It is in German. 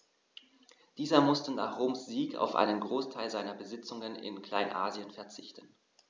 Dieser musste nach Roms Sieg auf einen Großteil seiner Besitzungen in Kleinasien verzichten.